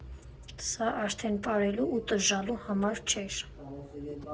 Սա արդեն պարելու ու տժժալու համար չէր։